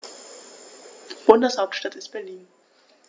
Bundeshauptstadt ist Berlin.